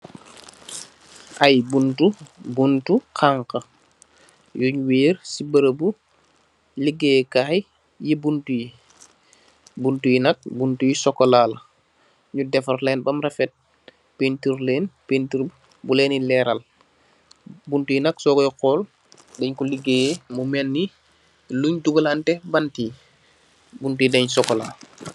Aiiy buntu, buntu khanha yungh werre cii beureubu legaye kaii yii buntu yii, buntu yii nak buntu yu chocolat la, nju defarr len bahm rafet, penturr len peintur bulen dii leral, buntu yii nak sokoi hol den kor legayeh mu melni lungh duga lanteh bantue yii, buntu yii dengh chocolat.